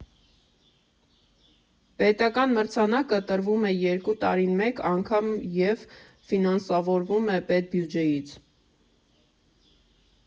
Պետական մրցանակը տրվում է երկու տարին մեկ անգամ և ֆինանսավորվում է պետբյուջեից։